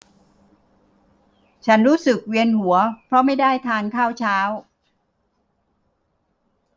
ฉันรู้สึกเวียนหัวเพราะไม่ได้ทานข้าวเช้า